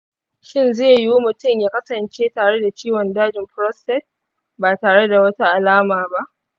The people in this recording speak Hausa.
shin zai yiwu mutum ya kasance da ciwon dajin prostate ba tare da wata alama ba?